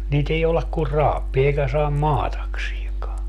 niitä ei jouda kuin raapimaan eikä saa maatakseenkaan